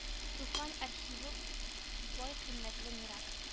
Туфан архивы бай кыйммәтле мирас